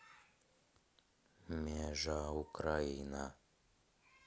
межа украина